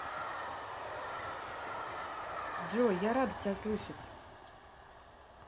джой я рада тебя слышать